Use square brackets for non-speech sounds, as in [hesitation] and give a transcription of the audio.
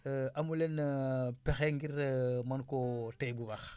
[hesitation] amu leen [hesitation] pexe ngir [hesitation] mën koo téye bu baax